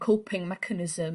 coping mechanism...